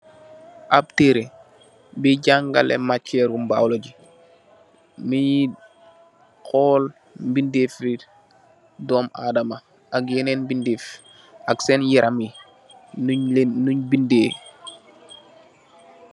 Ab tëre, buy jàngale ab màceru bàwlogi. Miy xool mbindeefi dóm Adama ak Yemen mbindeefi ak seen yaram yi.